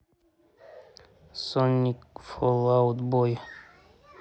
соник фол аут бой